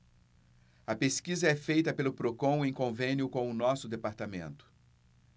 a pesquisa é feita pelo procon em convênio com o diese